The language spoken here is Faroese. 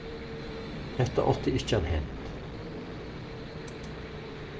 hetta átti ikki at hent